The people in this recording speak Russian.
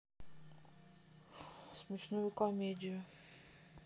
смешную комедию